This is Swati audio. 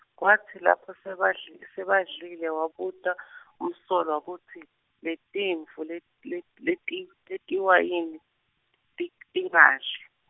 kwatsi lapho sebadli- sebadlile wabuta , Msolwa kutsi letimvu let- let- leti- le tentiwa yini ti- tingadli.